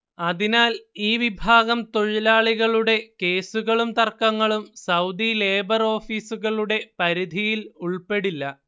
അതിനാൽ ഈ വിഭാഗം തൊഴിലാളികളുടെ കേസുകളും തർക്കങ്ങളും സൗദി ലേബർ ഓഫീസുകളുടെ പരിധിയിൽ ഉൾപ്പെടില്ല